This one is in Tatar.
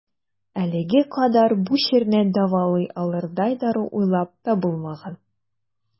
Әлегә кадәр бу чирне дәвалый алырдай дару уйлап табылмаган.